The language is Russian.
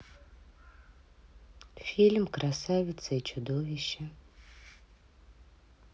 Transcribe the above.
фильм красавица и чудовище